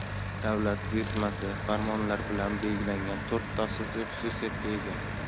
davlat buyurtmasi farmonlar bilan belgilangan to'rtta asosiy xususiyatga ega